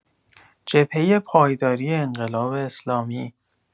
جبهه پایداری انقلاب اسلامی